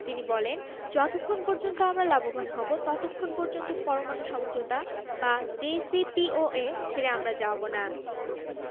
তিনি বলেন যতক্ষণ পর্যন্ত আমরা লাভবান হব ততক্ষণ পর্যন্ত পরমাণু সমঝোতা বা জেসিপিওএ ছেড়ে আমরা যাব না